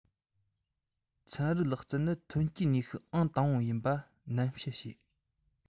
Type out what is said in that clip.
ཚན རིག ལག རྩལ ནི ཐོན སྐྱེད ནུས ཤུགས ཨང དང པོ ཡིན པ ནན བཤད བྱས